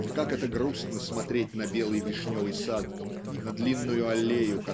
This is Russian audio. И как это грустно смотреть на белый вишневый сад на длинную аллею